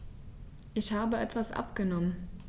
Ich habe etwas abgenommen.